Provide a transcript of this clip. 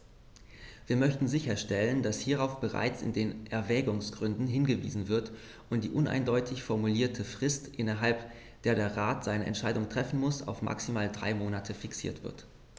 Wir möchten sicherstellen, dass hierauf bereits in den Erwägungsgründen hingewiesen wird und die uneindeutig formulierte Frist, innerhalb der der Rat eine Entscheidung treffen muss, auf maximal drei Monate fixiert wird.